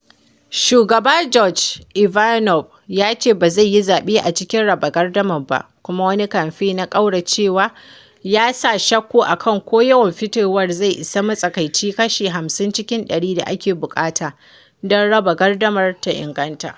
Shugaba Gjorge Ivanov ya ce ba zai yi zaɓe a cikin raba gardamar ba kuma wani kamfe na ƙauracewa ya sa shakku a kan ko yawan fitowar zai isa matsaikacin kashi 50 cikin ɗari da ake buƙata don raba gardamar ta inganta.